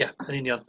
Ia yn union.